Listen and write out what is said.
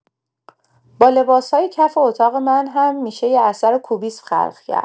با لباس‌های کف اتاق من هم می‌شه یه اثر کوبیسم خلق کرد!